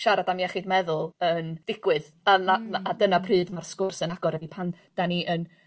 siarad am iechyd meddwl yn digwydd a 'na 'na a dyna pryd ma'r sgwrs yn agor â fi pan 'dan ni yn